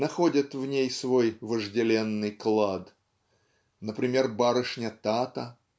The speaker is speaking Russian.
находят в ней свой вожделенный клад. Например барышня Тата